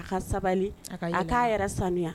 A ka sabali a k'a yɛrɛ sanuya